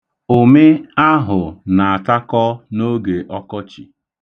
Ụmị ahụ na-atakọ n'oge ọkọchị.